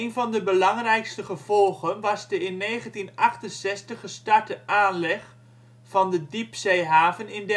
van de belangrijkste gevolgen was de in 1968 gestarte aanleg van een diepzeehaven in